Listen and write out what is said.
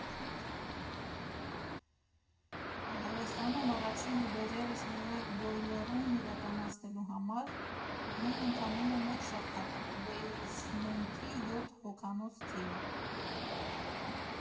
Հայաստանում առաջին ու դեռևս միակ Բոյլեռումն իրականացնելու համար ունեին ընդամենը մեկ շաբաթ ու Բեյսմենթի յոթ հոգանոց թիմ։